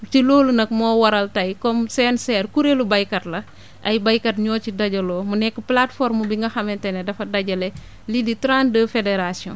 ci loolu nag moo waral tey comme CNCR kuréelu béykat la ay béykat ñoo ci dajaloo mu nekk plateforme bi nga xamante ne dafa dajale lii di trente deux fédérations